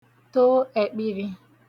to ẹ̄kpị̄rị̄